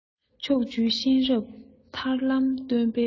ཕྱོགས བཅུའི གཤེན རབ ཐར ལམ སྟོན པའི སྒྲོན